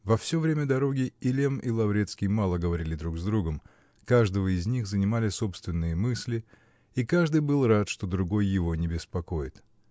Во все время дороги и Лемм и Лаврецкий мало говорили друг с другом: каждого из них занимали собственные мысли, и каждый был рад, что другой его не беспокоит.